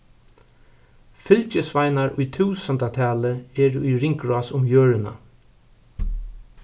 fylgisveinar í túsundatali eru í ringrás um jørðina